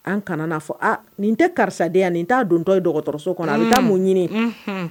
An kana'a fɔ nin tɛ karisaden yan nin t'a dontɔ ye dɔgɔtɔrɔso kɔnɔ a taa mun ɲini